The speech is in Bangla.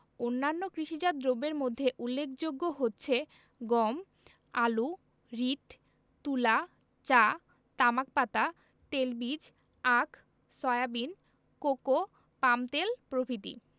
অন্যান্য কৃষিজাত দ্রব্যের মধ্যে উল্লেখযোগ্য হচ্ছে গম আলু রীট তুলা চা তামাক পাতা তেলবীজ আখ সয়াবিন কোকো পামতেল প্রভৃতি